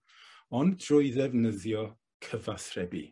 ond trwy ddefnyddio cyfathrebu.